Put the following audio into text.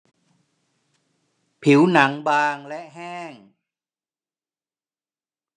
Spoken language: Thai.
ผิวหนังบางและแห้ง